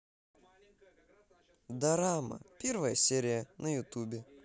дорама первая серия на ютубе